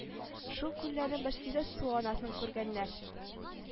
Шул күлләрнең берсендә су анасын күргәннәр